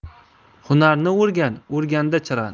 hunarni o'rgan o'rganda chiran